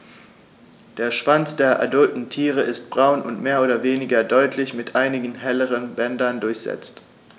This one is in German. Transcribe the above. Der Schwanz der adulten Tiere ist braun und mehr oder weniger deutlich mit einigen helleren Bändern durchsetzt.